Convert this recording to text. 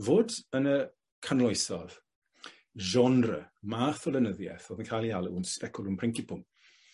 fod yn y canoloesodd genre math o lenyddieth odd yn ca'l 'i alw yn speculum principum.